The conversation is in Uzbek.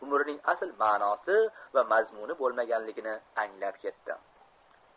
umrining asl ma'nosi va mazmuni bo'lganligini anglab yetdi